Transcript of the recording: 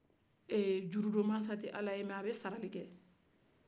jurudonmasa tɛ ala ye nka a bɛ saralikɛ